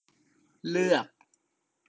เลือก